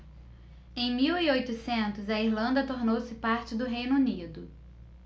em mil e oitocentos a irlanda tornou-se parte do reino unido